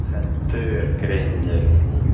Хәтәр крендель